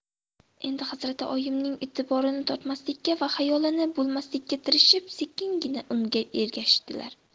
endi hazrati oliyning etiborini tortmaslikka va xayolini bo'lmaslikka tirishib sekingina unga ergashdilar